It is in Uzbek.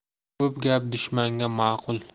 ko'p gap dushmanga ma'qul